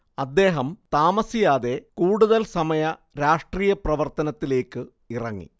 അദ്ദേഹം താമസിയാതെ കൂടുതൽ സമയ രാഷ്ട്രീയ പ്രവർത്തനത്തിലെക്ക് ഇറങ്ങി